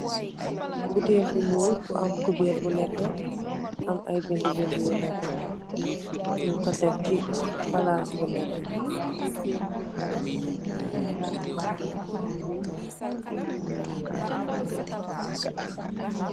Botale bu nuul bu am cuber bu neetex am ay binda binda yu netex nyun ko tek si palac bu netex.